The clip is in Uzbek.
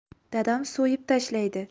dadam so'yib tashlaydi